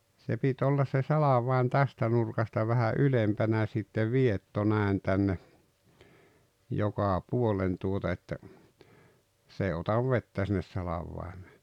se piti olla se salvain tästä nurkasta vähän ylempänä sitten vietto näin tänne joka puolen tuota että se ei ota vettä sinne salvaimeen